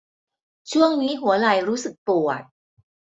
ช่วงนี้หัวไหล่รู้สึกปวด